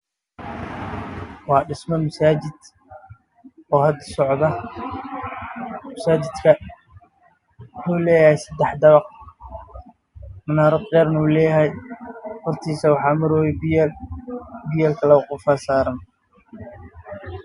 Waa masaajid dhismo ku socda